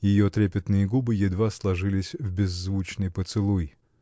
ее трепетные губы едва сложились в беззвучный поцелуй.